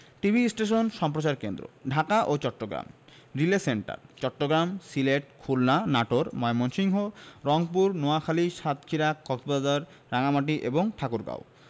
TV station সম্প্রচার কেন্দ্রঃ ঢাকা ও চট্টগ্রাম রিলে সেন্টার চট্টগ্রাম সিলেট খুলনা নাটোর ময়মনসিংহ রংপুর নোয়াখালী সাতক্ষীরা কক্সবাজার রাঙ্গামাটি এবং ঠাকুরগাঁও